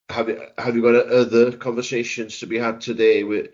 Have y- have you got other conversations to be had today wi-